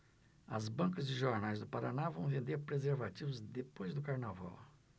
as bancas de jornais do paraná vão vender preservativos depois do carnaval